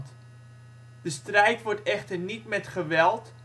strijd wordt echter niet met geweld